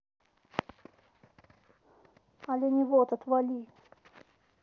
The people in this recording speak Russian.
оленевод отвали